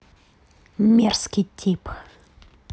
мерзкий тип